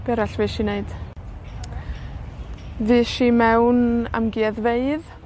be' arall fuesh i neud? Fuesh i mewn amgueddfeydd.